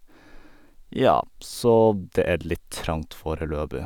Ja, så det er litt trangt foreløpig.